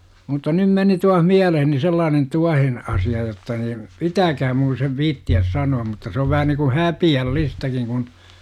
mutta nyt meni taas mieleeni sellainen tuohen asia jotta niin pitää minun sen viitsiä sanoa mutta se on vähän niin kuin häpeällistäkin kun